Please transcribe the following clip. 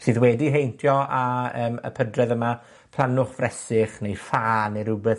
sydd wedi heintio â yym y pydredd yma, plannwch fresych neu ffâ ne' rwbeth